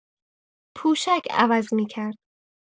پوشک عوض می‌کرد.